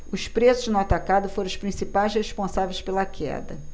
os preços no atacado foram os principais responsáveis pela queda